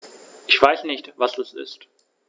Ich weiß nicht, was das ist.